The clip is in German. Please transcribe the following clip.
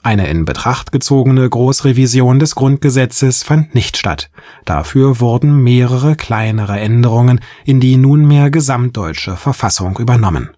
Eine in Betracht gezogene Großrevision des Grundgesetzes fand nicht statt, dafür wurden mehrere kleinere Änderungen in die nunmehr gesamtdeutsche Verfassung übernommen.